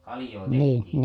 kaljaa tehtiin